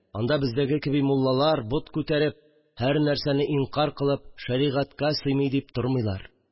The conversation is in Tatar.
Анда, бездәге кеби, муллалар бот күтәреп, һәрнәрсәне инкяр кылып: «Шәригатькә сыймый!» – дип тормыйлар